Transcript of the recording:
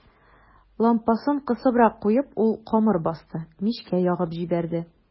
Лампасын кысыбрак куеп, ул камыр басты, мичкә ягып җибәрде.